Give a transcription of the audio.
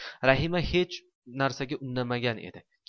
rahima hech narsaga unnamagan edi